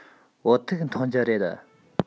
བོད ཐུག འཐུང རྒྱུ རེད